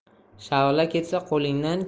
shavla ketsa qo'lingdan